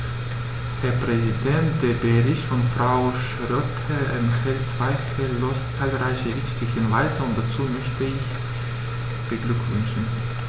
Herr Präsident, der Bericht von Frau Schroedter enthält zweifellos zahlreiche wichtige Hinweise, und dazu möchte ich sie beglückwünschen.